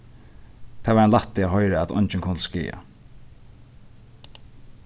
tað var ein lætti at hoyra at eingin kom til skaða